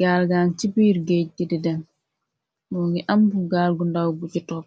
gaal gaam ci biir géej di di dem moo ngi am bu gaal gu ndaw bu ci topp